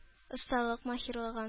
Осталык-маһирлыгын